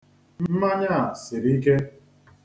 Mmanya siri ike.